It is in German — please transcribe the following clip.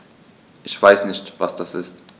Ich weiß nicht, was das ist.